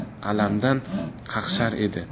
alamdan qaqshar edi